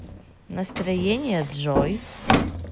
настроение джой